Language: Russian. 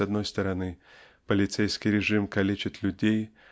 с одной стороны полицейский режим калечит людей